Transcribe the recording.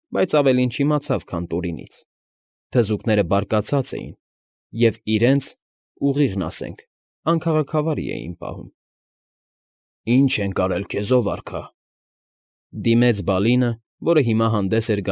Բայց ավելին չիմացավ, քան Տորինից. թզուկները բարկացած էին և իրենց, ուղիղն ասենք, անքաղաքավարի էին պահում։ ֊ Ի՞նչ ենք արել քեզ, ով արքա,֊ դիմեց Բալինը, որը հիմա հանդես էր։